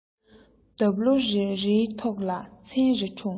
འདབ ལོ རེ རེའི ཐོག ཏུ མཚན རེ འཁྲུངས